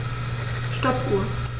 Stoppuhr.